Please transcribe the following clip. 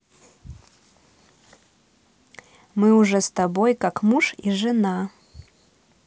мы уже с тобой как муж и жена